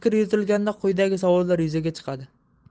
yuritilganda quyidagi savollar yuzaga chiqadi